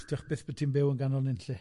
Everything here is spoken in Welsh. Ti'n gwbod beth bo' ti'n byw yn ganol nunlle.